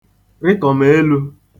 rịkọ̀melū